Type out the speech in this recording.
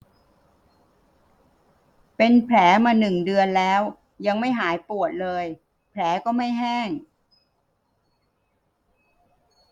เป็นแผลมาหนึ่งเดือนแล้วยังไม่หายปวดเลยแผลก็ไม่แห้ง